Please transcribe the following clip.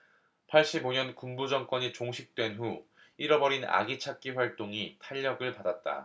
팔십 오 년 군부 정권이 종식된 후 잃어버린 아기 찾기 활동이 탄력을 받았다